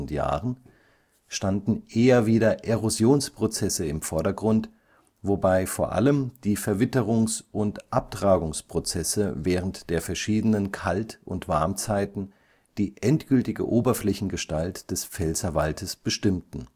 Jahren) standen eher wieder Erosionsprozesse im Vordergrund, wobei vor allem die Verwitterungs - und Abtragungsprozesse während der verschiedenen Kalt - und Warmzeiten die endgültige Oberflächengestalt des Pfälzerwaldes bestimmten